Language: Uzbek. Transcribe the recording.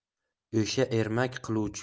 o'sha ermak qiluvchi